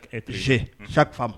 Se safa